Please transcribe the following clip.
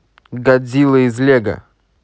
годзилла из лего